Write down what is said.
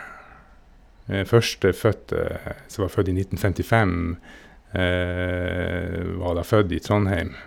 Førstefødte, som var født i nitten femtifem, var da født i Trondheim.